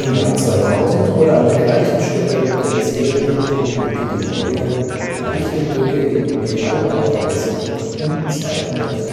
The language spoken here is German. Jahr 2000 wurde an der gleichen Stelle der bisherigen Betonbrücke die neue, leichte Brücke in Metallbauweise um 200.000